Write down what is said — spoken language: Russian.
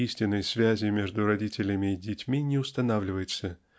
истинной связи между родителями и детьми не устанавливается